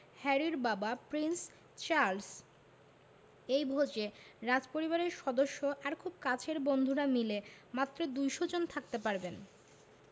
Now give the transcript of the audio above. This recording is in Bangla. হ্যারির বাবা প্রিন্স চার্লস এই ভোজে রাজপরিবারের সদস্য আর খুব কাছের বন্ধুরা মিলে মাত্র ২০০ জন থাকতে পারবেন